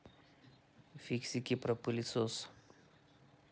фиксики про пылесос